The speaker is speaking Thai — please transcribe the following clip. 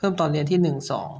เพิ่มตอนเรียนที่หนึ่งสอง